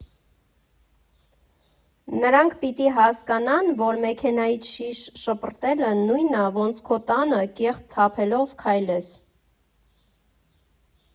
Նրանք պիտի հասկանան, որ մեքենայից շիշ շպրտելը նույն ա, ոնց քո տանը կեղտ թափելով քայլես։